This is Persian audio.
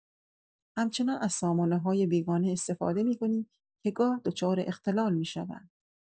همچنان از سامانه‌های بیگانه استفاده می‌کنیم که گاه دچار اختلال می‌شوند.